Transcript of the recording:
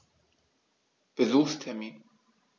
Besuchstermin